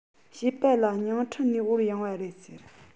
བཤད པ ལ ཉིང ཁྲི ནས དབོར ཡོང བ རེད ཟེར